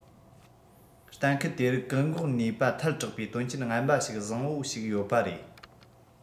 གཏན འཁེལ དེ རིགས བཀག འགོག ནུས པ ཐལ དྲགས པའི དོན རྐྱེན ངན པ ཞིག བཟང བོ ཞིག ཡོད པ རེད